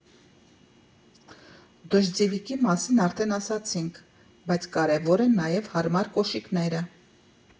«Դոժձևիկի» մասին արդեն ասացինք, բայց կարևոր են նաև հարմար կոշիկները։